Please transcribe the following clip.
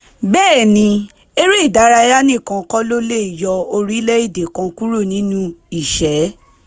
Bẹ́ẹ̀ ni, eré ìdárayá nìkan kò le yọ orílẹ̀-èdè kan kúrò nínú ìṣẹ́.